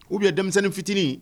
U bɛ ye denmisɛnnin fitiriinin